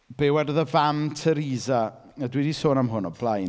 Be wedodd y Fam Theresa, a dwi 'di sôn am hwn o blaen.